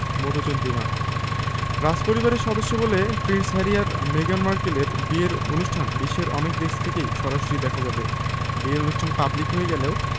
মধুচন্দ্রিমা রাজপরিবারের সদস্য বলে প্রিন্স হ্যারি আর মেগান মার্কেলের বিয়ের অনুষ্ঠান বিশ্বের অনেক দেশ থেকেই সরাসরি দেখা যাবে বিয়ের অনুষ্ঠান পাবলিক হয়ে গেলেও